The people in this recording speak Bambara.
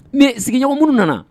Sigiɲɔgɔn minnu nana